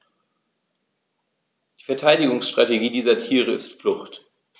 Die Verteidigungsstrategie dieser Tiere ist Flucht.